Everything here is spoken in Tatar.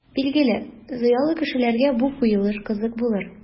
Билгеле, зыялы кешеләргә бу куелыш кызык булыр.